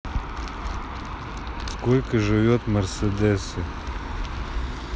сколько живет мерседесы